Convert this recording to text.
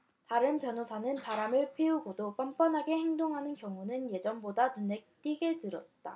다른 변호사는 바람을 피우고도 뻔뻔하게 행동하는 경우는 예전보다 눈에 띄게 늘었다